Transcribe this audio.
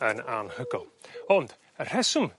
yn anhygol ond y rheswm